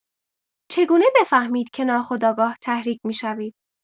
چگونه بفهمید که ناخودآگاه تحریک می‌شوید؟